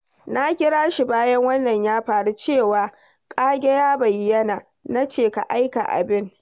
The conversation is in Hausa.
Na kira shi bayan wannan ya faru, cewa kage ya bayyana, na ce, 'Ka aika abin?'